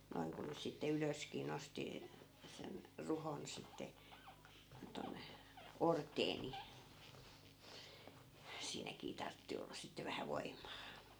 noin kun nyt sitten ylöskin nosti sen ruhon sitten tuonne orteen niin siinäkin tarvitsi olla sitten vähän voimaa